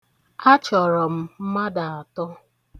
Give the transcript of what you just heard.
Achọrọ m mmadụ atọ.